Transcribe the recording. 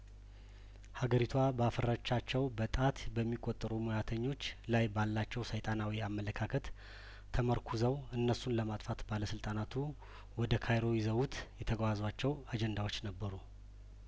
ሀገሪቷ ባፈራቻቸው በጣት በሚቆጠሩ ሙያተኞች ላይ ባላቸው ሰይጣናዊ አመለካከት ተመርኩዘው እነሱን ለማጥፋት ባለስልጣናቱ ወደ ካይሮ ይዘውት የተጓዟቸው አጀንዳዎች ነበሩ